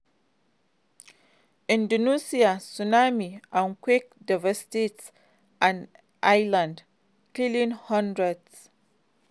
Indonesia Tsunami and Quake Devastate an Island, Killing Hundreds